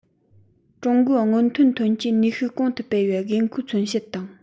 ཀྲུང གོའི སྔོན ཐོན ཐོན སྐྱེད ནུས ཤུགས གོང དུ སྤེལ བའི དགོས མཁོའི མཚོན བྱེད དང